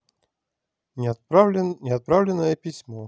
неотправленное письмо